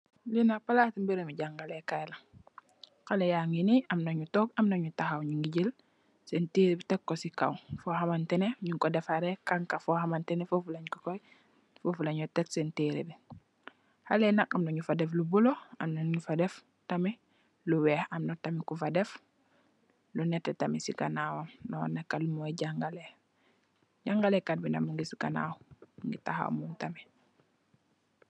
Ii nak palasi berabi jangeh kai la haleh nyangi ni amna nyu tog amna nyu tahaw nyungi jel sen tereh bi tekko sey kaw fohamanteh neh nyungko defareh hanjha fohamanteh neh fofu lenjko fofu lenyo tekk sen tereh bi halei nak amna nyufa def lu blue amna nyufa def tamit lu weih amna tam kufa def lu neteh tamit sey ganawam mo neka lumo jangaleh ,jangaleh kai bi nak mung sey ganaw Mungi tahaw tamit.